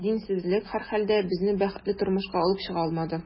Динсезлек, һәрхәлдә, безне бәхетле тормышка алып чыга алмады.